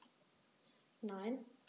Nein.